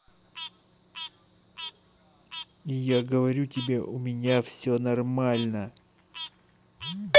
я говорю тебе у меня все нормально